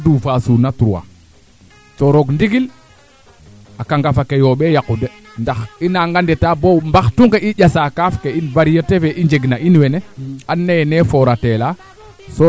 communication wala information wala kuuta waag na waago ref to o nan gilwan fato nan gilwina paax yaama betandaxa laa bo bugoona wetanu wetandoor na ando naye nan tiro na